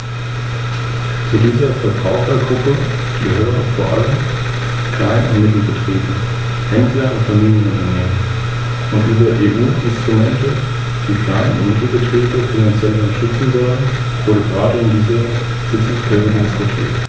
Es sollte nicht darum gehen, auf halbem Wege Änderungen an den Prioritäten und Politiken vorzunehmen, was zwangsläufig Verzögerungen und Nichtausschöpfung der Mittel zur Folge hat. Dies ist gerade im Hinblick auf die neuen Anforderungen an die Haushaltsdisziplin von Bedeutung.